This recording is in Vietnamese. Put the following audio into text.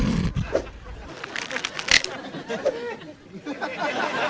người các thí sinh xung quanh